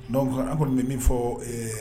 Donc an kɔni bɛ min fɔɔ ee